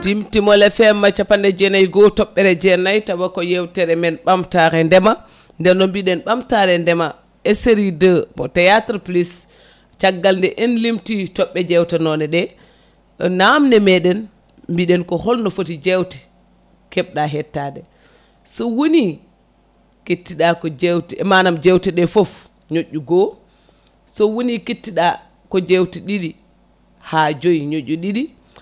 Timtimol FM capanɗe jeenayyi e goho toɓɓere jeenayyi tawa ko yewtere men ɓamtare ndeema nden no mbiɗen ɓamtare ndeema e série 2 mo théâtre plus caggal nde en limti toɓɓe jewtanoɗeɗe namde meɗen mbiɗen ko holno footi jewte keɓɗa hettade so woni kettiɗa ko jewte manam jewteɗe foof ñoƴƴu goho so woni kettiɗa ko jewte ɗivi ha jooyi ñoƴƴu ɗiɗi